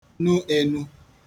nu ēnū